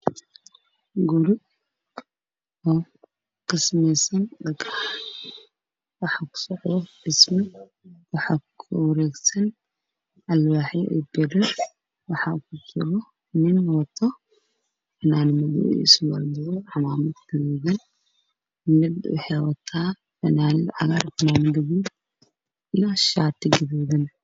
Waa guri ka sameysan dhagax oo dhismaha ku socdo